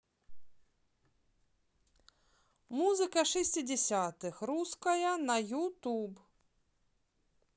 музыка шестидесятых русская на ютуб